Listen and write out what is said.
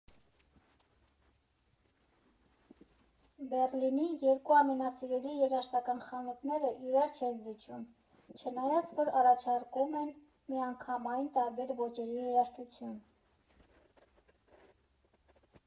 Բեռլինի երկու ամենասիրելի երաժշտական խանութները իրար չեն զիջում՝ չնայած որ առաջարկում են միանգամայն տարբեր ոճերի երաժշտություն։